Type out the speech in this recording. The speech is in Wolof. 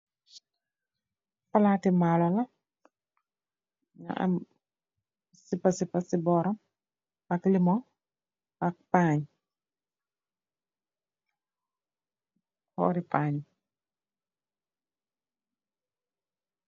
Palati maló la, mugeh am sipá sipà si boram, ak limong ak pañ.